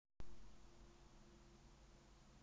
я не знаю но я такая же как и ты